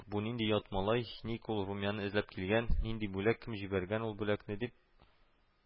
Бу нинди ят малай, ник ул румияне эзләп килгән, нинди бүләк, кем җибәргән ул бүләкне, дип